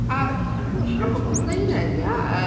A... I'm here for it ....I'm not complaining, yeah...